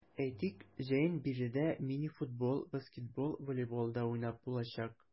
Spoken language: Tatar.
Әйтик, җәен биредә мини-футбол, баскетбол, волейбол да уйнап булачак.